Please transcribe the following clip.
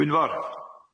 Gwynfor.